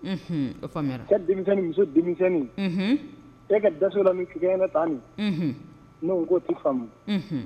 Denmisɛnnin muso denmisɛnninnin e ka daso la ni tigɛɲɛna ta minmi n'o koo' faamumu